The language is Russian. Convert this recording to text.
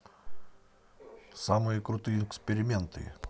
самые крутые эксперименты